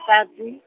-sadzi.